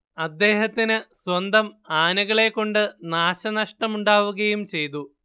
അദ്ദേഹത്തിന് സ്വന്തം ആനകളെകൊണ്ട് നാശനഷ്ടമുണ്ടാവുകയും ചെയ്തു